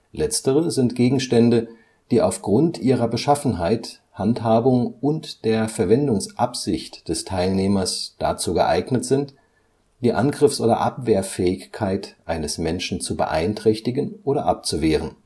Letztere sind Gegenstände, die auf Grund ihrer Beschaffenheit, Handhabung und der Verwendungsabsicht des Teilnehmers dazu geeignet sind, die Angriffs - oder Abwehrfähigkeit eines Menschen zu beeinträchtigen oder abzuwehren